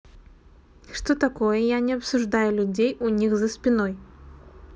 что такое я не обсуждаю людей у них за спиной